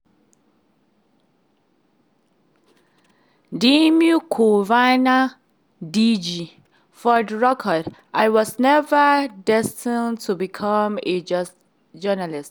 Damy Govina (DG): For the record, I was never destined to become a journalist.